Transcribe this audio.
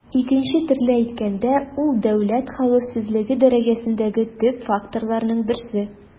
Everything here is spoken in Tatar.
Икенче төрле әйткәндә, ул дәүләт хәвефсезлеге дәрәҗәсендәге төп факторларның берсе.